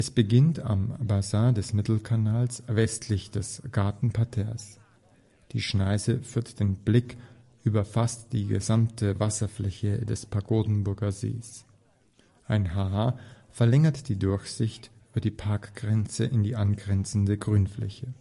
beginnt am Bassin des Mittelkanals westlich des Gartenparterres. Die Schneise führt den Blick über fast die gesamte Wasserfläche des Pagodenburger Sees. Ein Ha-Ha verlängert die Durchsicht über die Parkgrenze in die angrenzende Grünfläche